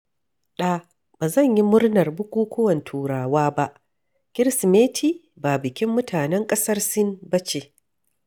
ɗa: Ba zan yi murnar bukukuwan Turawa ba, Kirsimeti ba bikin mutanen ƙasar Sin ba ne.